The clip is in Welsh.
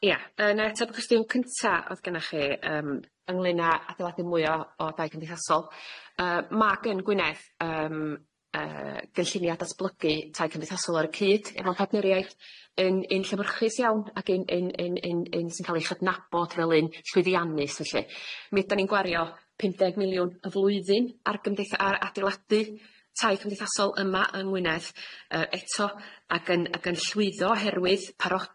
Ia yy 'na i atab y cwestiwn cynta o'dd gynnoch chi yym ynglyn â adeiladu mwy o o dai cymdeithasol yy ma' gyn Gwynedd yym yy gynllunia datblygu tai cymdeithasol ar y cyd efo partneriaeth un un llywyrchus iawn ac un un un un un sy'n ca'l ei chydnabod fel un llwyddiannus felly mi ydan ni'n gwario pum deg miliwn y flwyddyn ar gymdeitha- ar adeiladu tai cymdeithasol yma yng Ngwynedd yy eto ac yn ac yn llwyddo oherwydd parodrwydd